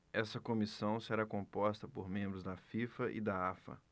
essa comissão será composta por membros da fifa e da afa